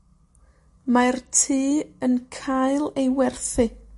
Mae'r tŷ yn cael ei werthu.